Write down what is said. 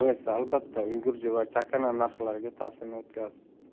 esa albatta ulgurji va chakana narxlarga ta'sirini o'tkazdi